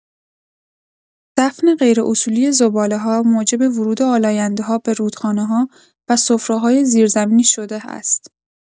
دفن غیراصولی زباله‌ها، موجب ورود آلاینده‌ها به رودخانه‌ها و سفره‌های زیرزمینی شده است.